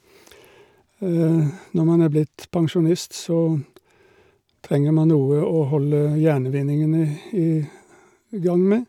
Når man er blitt pensjonist, så trenger man noe å holde hjernevindingene i i gang med.